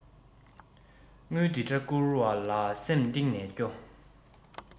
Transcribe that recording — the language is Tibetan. དངུལ འདི འདྲ བསྐུར བ ལ སེམས གཏིང ནས སྐྱོ